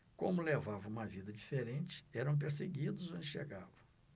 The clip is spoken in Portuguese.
como levavam uma vida diferente eram perseguidos onde chegavam